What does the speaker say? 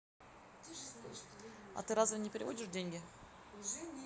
а ты разве не переводишь деньги